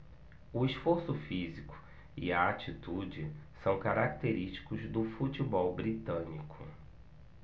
o esforço físico e a atitude são característicos do futebol britânico